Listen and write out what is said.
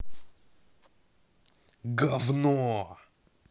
гавно